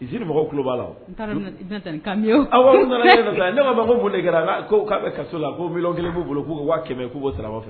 Usine mɔgɔw tulo b'a la o. N t'a dɔn n bɛ na n bɛ na taa nin kan min ye. Awɔ, n'u nana n yɛrɛ fɛ sa, ne b'a fɔ ko mun de kɛra ka k'a bɛ kaso la. Ko 1000000 b'u bolo. k'u 500000 k'u ko sara